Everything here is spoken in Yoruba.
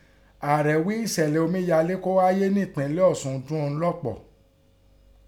Ààrẹ ghí i èṣẹ̀lẹ̀ omíyalé kọ́ háyé nẹ́ ẹ̀pínlẹ̀ Ọṣun dun òun lọ́pọ̀.